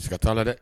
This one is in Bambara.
Si ka taa dɛ